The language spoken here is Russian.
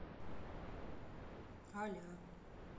а ля